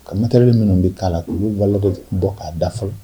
Katɛri minnu bɛ'a la u' walɔ dɔ bɔ k'a da fɔlɔ